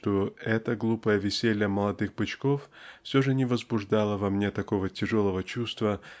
что это глупое веселье молодых бычков все же не возбуждало во мне такого тяжелого чувства